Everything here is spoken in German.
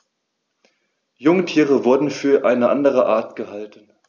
Jungtiere wurden für eine andere Art gehalten.